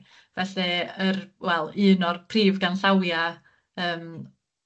Felly yr wel un o'r prif ganllawia yym